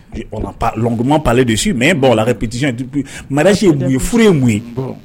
dumanma'ale don su mɛ baw la ka pz madasi ye mun ye furu ye mun ye